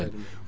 jawdi men